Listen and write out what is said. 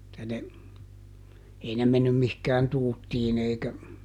että ne ei ne mennyt mihinkään tuuttiin eikä